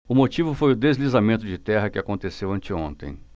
o motivo foi o deslizamento de terra que aconteceu anteontem